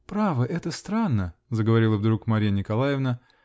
-- Право, это странно, -- заговорила вдруг Марья Николаевна.